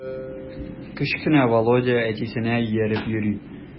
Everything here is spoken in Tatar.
Кечкенә Володя әтисенә ияреп йөри.